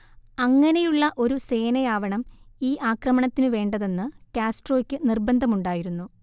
അങ്ങനെയുള്ള ഒരു സേനയാവണം ഈ ആക്രമണത്തിനു വേണ്ടതെന്ന് കാസ്ട്രോയക്കു നിർബന്ധമുണ്ടായിരുന്നു